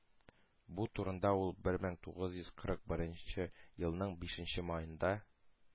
Бу турыда ул 1941 елның 5 маенда